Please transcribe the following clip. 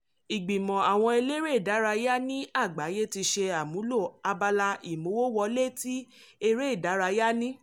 Ìgbìmọ̀ àwọn eléré ìdárayá ní àgbáyé ti ṣe àmúlò abala ìmówówọlé tí eré ìdárayá ní.